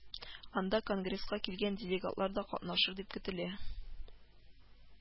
Анда конгресска килгән делегатлар да катнашыр дип көтелә